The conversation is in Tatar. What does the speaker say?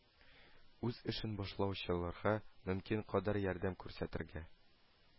Үз эшен башлаучыларга мөмкин кадәр ярдәм күрсәтергә